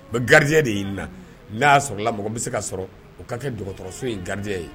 N bɛ gardien de ɲinina n'a y'a sɔrɔ la mɔgɔ bɛ se ka sɔrɔ o ka kɛ dɔgɔtɔrɔso in gardien ye